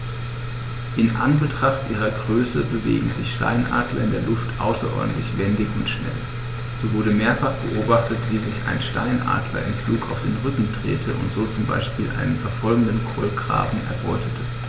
In Anbetracht ihrer Größe bewegen sich Steinadler in der Luft außerordentlich wendig und schnell, so wurde mehrfach beobachtet, wie sich ein Steinadler im Flug auf den Rücken drehte und so zum Beispiel einen verfolgenden Kolkraben erbeutete.